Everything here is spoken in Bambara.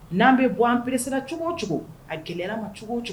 N'an bɛ bɔ an presser ra cogo o cogo, a gɛlɛyara an ma cogo o cogo